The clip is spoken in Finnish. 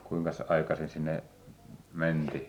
kuinkas aikaisin sinne mentiin